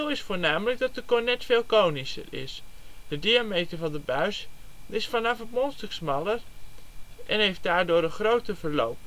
is voornamelijk, dat de cornet veel conischer is: de diameter van de buis is vanaf het mondstuk smaller, en heeft daardoor een groter verloop